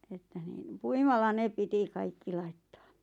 että niin puimalla ne piti kaikki laittaa